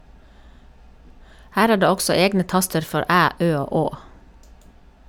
Her er det også egne taster for æ, ø og å.